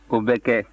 o bɛ kɛ